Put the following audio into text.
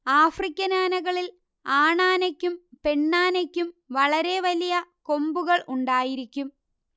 African ആനകളിൽ ആണാനയ്ക്കും പെണ്ണാനയ്ക്കും വളരെ വലിയ കൊമ്പുകൾ ഉണ്ടായിരിക്കും